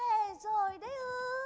rồi đấy ư